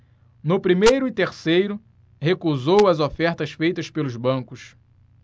no primeiro e terceiro recusou as ofertas feitas pelos bancos